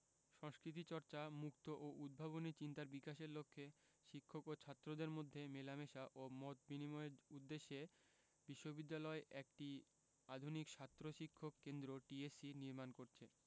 সংস্কৃতিচর্চা মুক্ত ও উদ্ভাবনী চিন্তার বিকাশের লক্ষ্যে শিক্ষক ও ছাত্রদের মধ্যে মেলামেশা ও মত বিনিময়ের উদ্দেশ্যে বিশ্ববিদ্যালয় একটি আধুনিক ছাত্র শিক্ষক কেন্দ্র টিএসসি নির্মাণ করছে